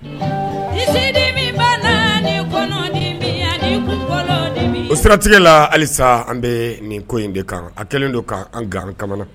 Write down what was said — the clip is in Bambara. Ni si dimiin banaa ni kɔnɔdimin a di kungolo dimiin o siratigɛla halisaa an bɛɛ nin ko in de kan a kɛlen don k'an an gan an kamana